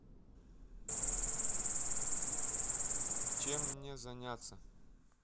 чем мне заняться